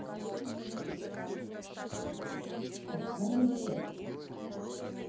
какая попа